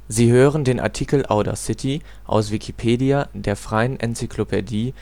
Sie hören den Artikel Audacity, aus Wikipedia, der freien Enzyklopädie